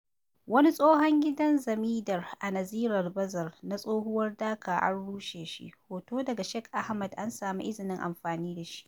Wani tsohon gidan Zamidar a Nazira Bazar na tsohuwar Dhaka ana rushe shi. Hoto daga Shakil Ahmed. An samu izinin amfani da shi.